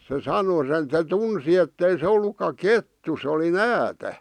se sanoi sen se tunsi että ei se ollutkaan kettu se oli näätä